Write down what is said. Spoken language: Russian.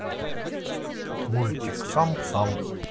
мультик сам сам